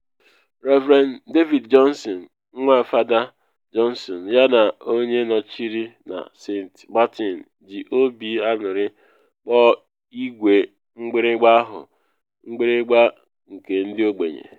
Rev. David Johnson, nwa Fada Johnson yana onye nọchiri na St. Martin, ji obi aṅụrị kpọọ igwe mgbịrịmgba ahụ “mgbịrịmgba nke ndị ogbenye.”